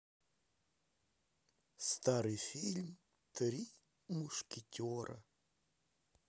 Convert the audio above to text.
старый фильм три мушкетера